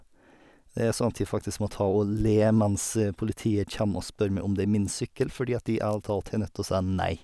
Det er sånn at jeg faktisk må ta og le mens politiet kjem og spør meg om det er min sykkel, fordi at jeg ærlig talt har nødt å si nei.